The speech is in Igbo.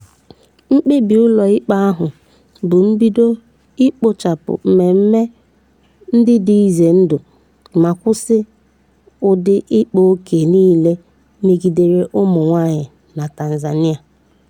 Mkpebi ụlo ikpe ahụ bụ mbido ikpochapụ mmemme ndị dị ize ndụ ma kwụsị ụdị ịkpaoke niile megidere ụmụ nwaanyị na Tanzania.